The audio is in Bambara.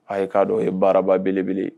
A i k'a dɔ o ye baaraba belebele